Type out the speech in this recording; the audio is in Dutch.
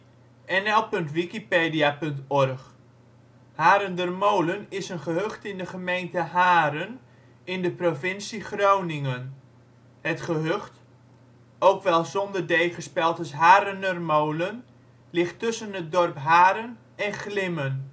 53 9 ' NB, 6 37 ' OL Harendermolen Plaats in Nederland Situering Provincie Groningen Gemeente Haren Coördinaten 53° 9′ NB, 6° 37′ OL Portaal Nederland Harendermolen is een gehucht in de gemeente Haren in de provincie Groningen. Het gehucht, ook wel zonder d gespeld als Harenermolen ligt tussen het dorp Haren en Glimmen